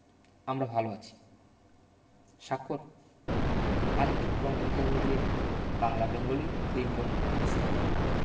আমরা ভালো আছি স্বাক্ষর collected from intermediate Bangla Bengali Clinton B Seely